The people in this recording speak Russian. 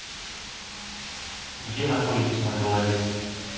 где находится на голове